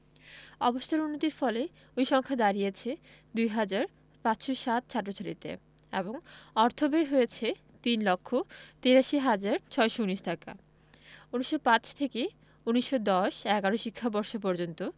অবস্থার উন্নতির ফলে ওই সংখ্যা দাঁড়িয়েছে ২ হাজার ৫৬০ ছাত্রছাত্রীতে এবং অর্থব্যয় হয়েছে ৩ লক্ষ ৮৩ হাজার ৬১৯ টাকা ১৯০৫ থেকে ১৯১০ ১১ শিক্ষাবর্ষ পর্যন্ত